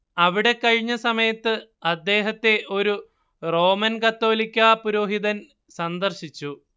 അവിടെ കഴിഞ്ഞ സമയത്ത് അദ്ദേഹത്തെ ഒരു റോമൻ കത്തോലിക്കാ പുരോഹിതൻ സന്ദർശിച്ചു